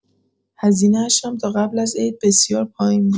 هزینه‌اش هم تا قبل از عید بسیار پایین بود